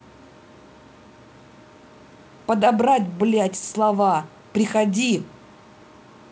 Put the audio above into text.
подобрать блядь слова приходи